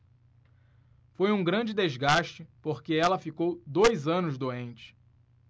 foi um grande desgaste porque ela ficou dois anos doente